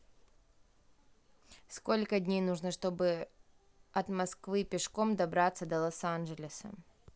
сколько дней нужно чтобы от москвы пешком добраться до лос анджелеса